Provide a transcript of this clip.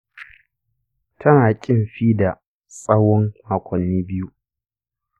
ta na ƙin fida tsawon makonni biyu.